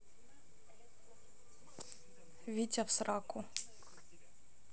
витя в сраку